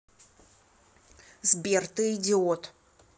сбер ты идиот